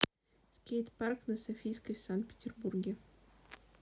скейт парк на софийской в санкт петербурге